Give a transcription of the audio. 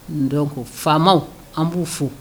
Dɔn ko faamaw an b'u fo